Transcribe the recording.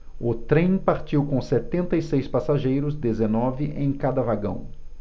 o trem partiu com setenta e seis passageiros dezenove em cada vagão